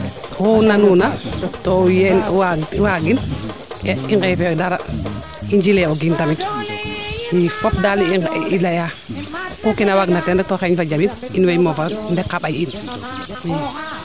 oxuu nanuuna to yeen waagin i ngeefe dara i njile o kiin tamit i fop daal i leya ku kiina waag na teen rek to xeeñ fa jambin in way moofa ndeq xxa mbay in